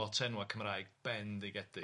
Lot o enwau Cymraeg bendigedig.